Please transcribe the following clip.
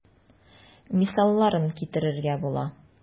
Мисалларын китерергә була.